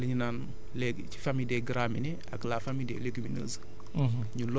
maanaam ci li ñu naan léegi ci famille des graminés ak la famille des légumineuses